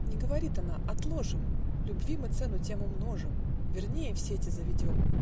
Не говорит она: отложим - Любви мы цену тем умножим, Вернее в сети заведем